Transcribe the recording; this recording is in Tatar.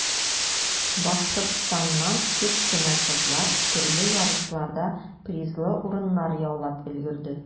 Башкортстаннан күп кенә кызлар төрле ярышларда призлы урыннар яулап өлгерде.